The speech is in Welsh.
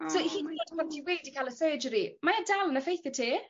so yn oed pan ti wedi ca'l y surgery mae e dal yn effeithio ti.